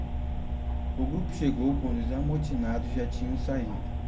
o grupo chegou quando os amotinados já tinham saído